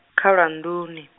kha lwannduni.